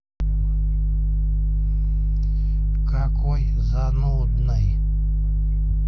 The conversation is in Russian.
какой занудный